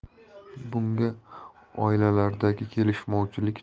bunga oilalardagi kelishmovchilik